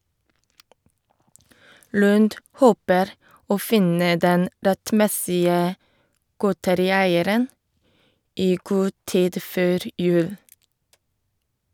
Lund håper å finne den rettmessige godterieieren i god tid før jul.